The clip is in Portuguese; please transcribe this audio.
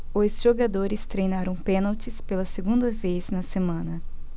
os jogadores treinaram pênaltis pela segunda vez na semana